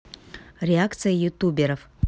реакции ютуберов